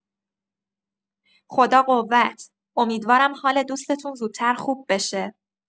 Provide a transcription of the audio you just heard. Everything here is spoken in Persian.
خدا قوت، امیدوارم حال دوستتون زودتر خوب بشه.